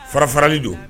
Fara fararali don